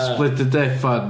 Split the diff 'wan.